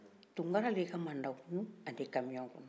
tunkara leka mandaku ani kamion kun